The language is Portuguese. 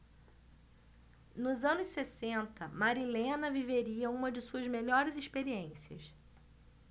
nos anos sessenta marilena viveria uma de suas melhores experiências